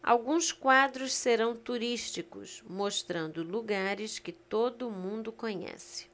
alguns quadros serão turísticos mostrando lugares que todo mundo conhece